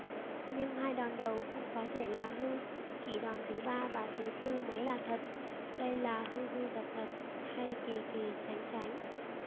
nhưng hai đòn đầu cũng có thể là hư chỉ đòn thứ ba và thứ tư mới là thật đây là hư hư thật thật hay kỳ kỳ chánh chánh